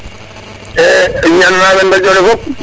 ñana na radjo le fop